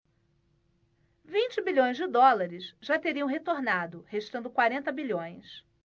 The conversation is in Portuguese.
vinte bilhões de dólares já teriam retornado restando quarenta bilhões